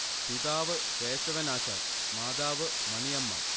പിതാവ് കേശവൻ ആശാൻ മാതാവ് മണി അമ്മ